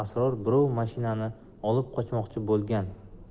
asror birov mashinani olib qochmoqchi bo'lgan